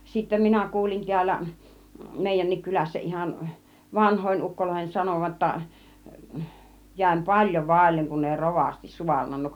sitten minä kuulin täällä meidänkin kylässä ihan vanhojen ukkojen sanovan jotta jäin paljon vaille kun ei rovasti saarnannut